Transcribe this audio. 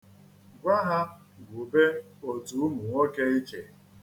Gwa ha wube òtù ụmụ nwoke iche.